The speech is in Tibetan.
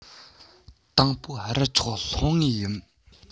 དང པོ རུ ཆོགས ལྷུང ངེས ཡིན